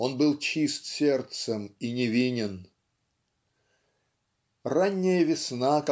он был чист сердцем и невинен". Ранняя весна